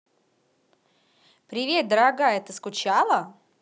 привет дорогая ты скучала